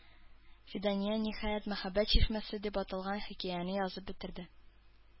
Фидания, ниһаять, "Мәхәббәт чишмәсе" дип аталган хикәяне язып бетерде.